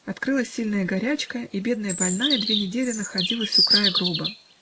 Открылась сильная горячка, и бедная больная две недели находилась у края гроба.